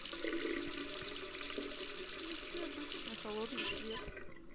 включи обычный холодный свет